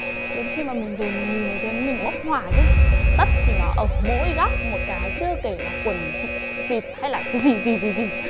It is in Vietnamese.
đến khi mà mình về mình nhìn thấy thế mình bốc hỏa chứ tất thì nó ở mỗi góc một cái chưa kể là quần chị sịp hay là cái gì gì gì gì